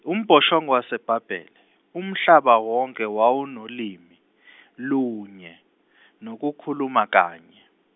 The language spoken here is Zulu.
umbhoshongo waseBhabhele Umhlaba wonke wawunolimi , lunye nokukhuluma kunye.